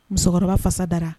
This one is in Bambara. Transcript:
Musokɔrɔba fasa dara